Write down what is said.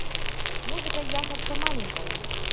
музыка ягода маленькая